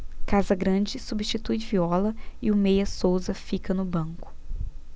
casagrande substitui viola e o meia souza fica no banco